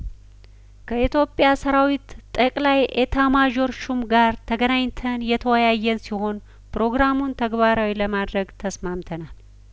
ከኢትዮጵያ ሰራዊት ጠቅላይ ኤታማዦር ሹም ጋር ተገናኝተን የተወያየን ሲሆን ፕሮግራሙን ተግባራዊ ለማድረግ ተስማምተናል